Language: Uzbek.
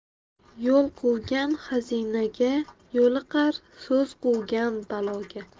yo'l quvgan xazinaga yo'liqar so'z quvgan baloga